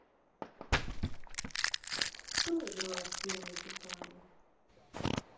кто играл в фильме титаник